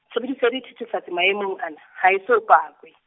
tshebediso ya dithethefatsi maemong ana, ha eso pakwe.